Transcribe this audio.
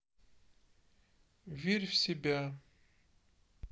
верь в себя